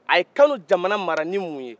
a ye kani jamana mara ni mun ye